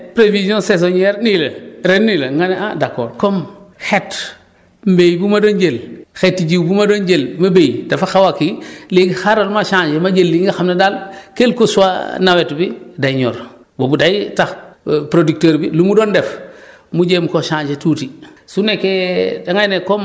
voilà su su ñu nee prévision saisonnière nii la ren nii la nga ne ah d' accord comme xeet mbéy mi ma doon jël xeeti jiw bi ma doon jël énu béy dafa xaw a kii léegi xaaral ma changer ma jël li nga xam ne daal quelque soit nawet bi day ñor boobu day tax producteur bi lu mu doon def mu jéem ko changer tuuti